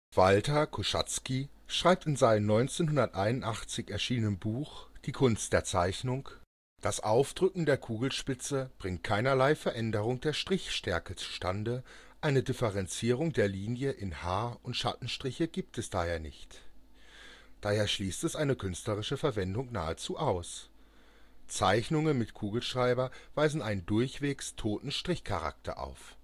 Walter Koschatzky schreibt in seinem 1981 erschienenen Buch Die Kunst der Zeichnung: „ Das Aufdrücken der Kugelspitze bringt keinerlei Veränderung der Strichstärke zustande, eine Differenzierung der Linie in Haar - und Schattenstriche gibt es daher nicht, [...] (daher) schliesst es eine künstlerische Verwendung nahezu aus. Zeichnungen mit Kugelschreiber weisen einen durchwegs toten Strichcharakter auf